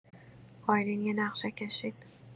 آیلین یه نقشه کشید.